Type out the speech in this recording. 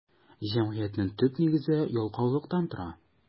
Җәмгыятьнең төп нигезе ялкаулыктан тора.